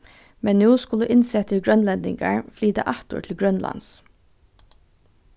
men nú skulu innsettir grønlendingar flyta aftur til grønlands